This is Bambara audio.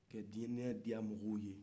ka dinɛ diya mɔgɔw ye